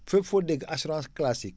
fépp foo dégg assurance classique